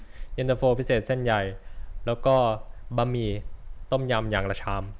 เย็นตาโฟพิเศษเส้นใหญ่และก็บะหมี่ต้มยำอย่างละชาม